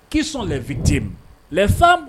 Kii sɔn fi te fa